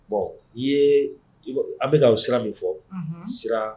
Bon i ye i b an bɛ ka sira min fɔ; unhun; sira